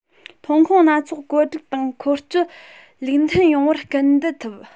ཐོན ཁུངས སྣ ཚོགས བཀོད སྒྲིག དང འཁོར སྐྱོད ལུགས མཐུན ཡོང བར སྐུལ འདེད ཐུབ